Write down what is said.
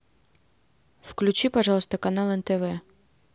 включи пожалуйста канал нтв